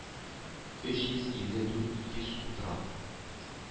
Өч йөз илле дүрт йөз сум тора.